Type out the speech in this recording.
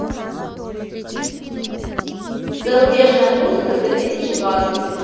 зарубежная музыка две тысячи двадцать